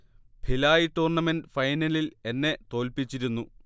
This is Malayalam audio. ഭിലായ് ടൂർണമെൻിൽ ഫൈനലിൽ എന്നെ തോൽപ്പിച്ചിരുന്നു